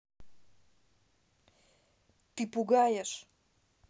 ты пугаешь